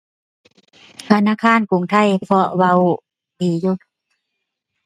ธนาคารกรุงไทย เพราะเว้าดีอยู่